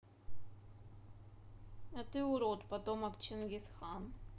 а ты урод потомок dschinghis khan